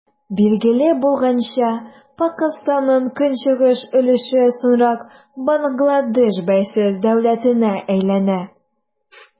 Билгеле булганча, Пакыстанның көнчыгыш өлеше соңрак Бангладеш бәйсез дәүләтенә әйләнә.